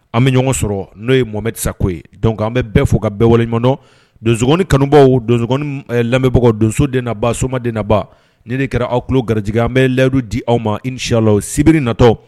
An bɛ ɲɔgɔn sɔrɔ n'o ye Mohamed Sako ye donc an bɛ bɛɛ fo ka bɛɛ wale ɲɔgɔn dɔn, donsoŋɔni kanubaw, donsoŋɔni lamɛnbagaw, donso den n'a b'a soma den n'a b'a, ni de kɛra aw tulolo garijɛgɛ, an bɛ lahidu d' aw ma in sha Allah sibiri na taa